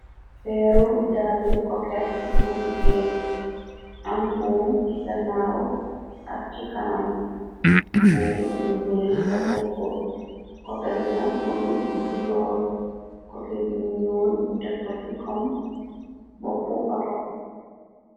peeru dàll koket bu jigéen am buum ci ganaaw ak ci kanam buum yu bari te bokkul koket yina udd guddu lool koket yu ñuun ñu tekk ci kom bopp outo